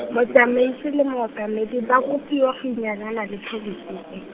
motsamaisi le mookamedi ba kopiwa go inyalanya le pholisi e.